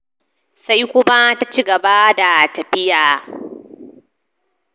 Sai kuma ta cigaba da tafiya.